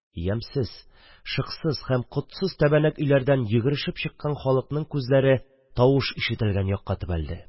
Ямьсез, котсыз һәм шыксыз тәбәнәк өйләрдән йөгерешеп чыккан халыкның күзләре тавыш ишетелгән якка төбәлде.